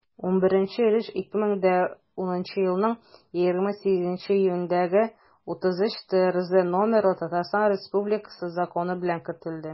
11 өлеш 2010 елның 28 июнендәге 33-трз номерлы татарстан республикасы законы белән кертелде.